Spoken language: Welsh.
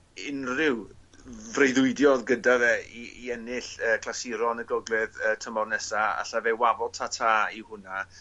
unrhyw freuddwydio odd gyda fe i i ennill y clasuron y gogledd y tymor nesa alle fe wafo tata i hwnna.